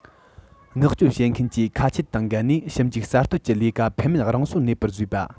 མངགས བཅོལ བྱེད མཁན གྱིས ཁ ཆད དང འགལ ནས ཞིབ འཇུག གསར གཏོད ཀྱི ལས ཀ འཕེལ མེད རང སོར གནས པར བཟོས པ